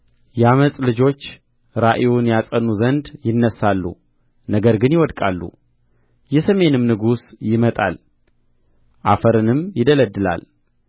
የዓመፅ ልጆች ራእዩን ያጸኑ ዘንድ ይነሣሉ ነገር ግን ይወድቃሉ የሰሜንም ንጉሥ ይመጣል አፈርንም ይደለድላል